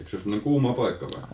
eikö se ole semmoinen kuuma paikka vähän